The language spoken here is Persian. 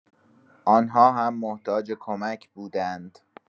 آن‌ها هم محتاج کمک بودند.